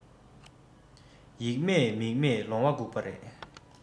ཡིག མེད མིག མེད ལོང བ སྐུགས པ རེད